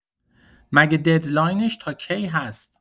مگه ددلاینش تا کی هست؟